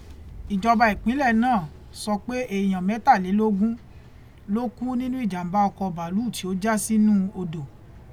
Ìjọba ìpínlẹ̀ náà sọ pé èèyàn mẹ́tàlélógún ló kú nínú ìjàmbá ọkọ bàlúù tí ó já sínúu odò.